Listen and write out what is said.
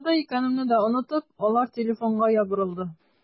Дөньяда икәнемне дә онытып, алар телефонга ябырылды.